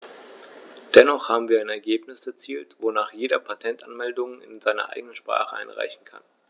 Dennoch haben wir ein Ergebnis erzielt, wonach jeder Patentanmeldungen in seiner eigenen Sprache einreichen kann.